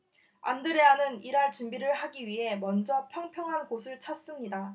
안드레아는 일할 준비를 하기 위해 먼저 평평한 곳을 찾습니다